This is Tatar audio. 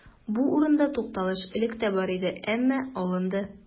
Бу урында тукталыш элек тә бар иде, әмма алынды.